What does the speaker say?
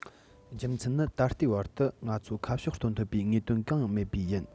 རྒྱུ མཚན ནི ད ལྟའི བར དུ ང ཚོར ཁ ཕྱོགས སྟོན ཐུབ པའི དངོས དོན གང ཡང མེད པས ཡིན